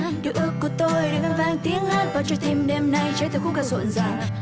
điều uóc của tôi được ngân vang tiếng hát bao trái tim đêm nay cháy theo khúc ca rộn ràng